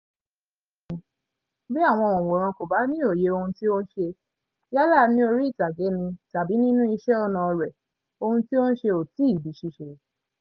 Sí èmi, bí àwọn òǹwòran kò bá ní òye ohun tí ò ń ṣe yálà ní orí ìtàgé ni tàbí nínú iṣẹ́ ọnà rẹ̀ ohun tí ò ń ṣẹ ò tìí di ṣíṣe